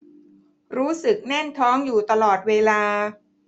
รู้สึกแน่นท้องอยู่ตลอดเวลา